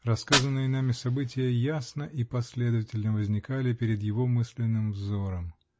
Рассказанные нами события ясно и последовательно возникали перед его мысленным взором.